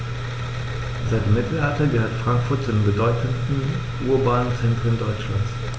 Seit dem Mittelalter gehört Frankfurt zu den bedeutenden urbanen Zentren Deutschlands.